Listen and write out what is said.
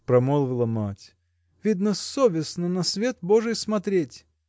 – промолвила мать, – видно, совестно на свет божий смотреть!